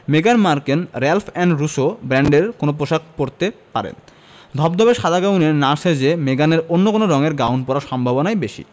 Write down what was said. মেগান Markle Ralph and Russo ব্র্যান্ডের কোনো পোশাক পরতে পারেন ধবধবে সাদা গাউনে না সেজে মেগানের অন্য কোন রঙের গাউন পরার সম্ভাবনাই বেশি